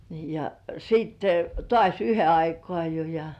niin ja sitten taas yhden aikaan jo ja